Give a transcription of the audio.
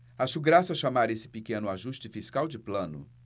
acho graça chamar esse pequeno ajuste fiscal de plano